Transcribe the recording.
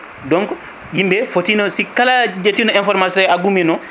donc inde fotino si kala jettinɗo information agrumino